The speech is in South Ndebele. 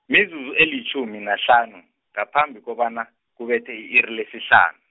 mizuzu elitjhumi nahlanu, ngaphambi kobana, kubethe i-iri lesihlanu.